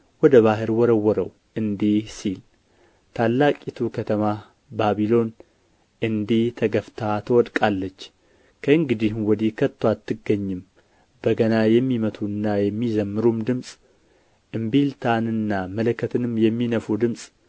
ወደ ባሕር ወረወረው እንዲህ ሲል ታላቂቱ ከተማ ባቢሎን እንዲህ ተገፍታ ትወድቃለች ከእንግዲህም ወዲህ ከቶ አትገኝም በገና የሚመቱና የሚዘምሩም ድምፅ እንቢልታንና መለከትንም የሚነፉ ድምፅ